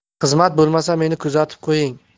xizmat bo'lmasa meni kuzatib qoying